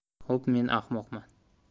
xo'p men ahmoqman